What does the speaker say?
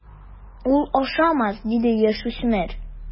Ул ашамас, - диде яшүсмер.